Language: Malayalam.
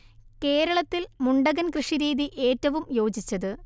കേരളത്തിൽ മുണ്ടകൻ കൃഷി രീതി ഏറ്റവും യോജിച്ചത്